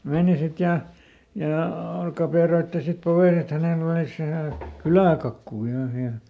meni sitten ja ja kaperoitsi sitten poveen että hänellä olisi vähän kyläkakkua vähän siellä